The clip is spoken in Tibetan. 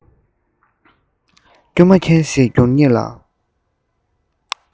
སྒྱུ མ མཁན ཞིག འགྱུར ངེས ལ